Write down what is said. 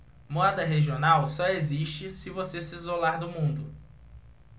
moda regional só existe se você se isolar do mundo